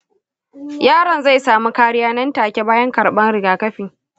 yaron zai samu kariya nan take bayan karbar rigakafi.